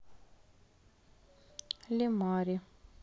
lamari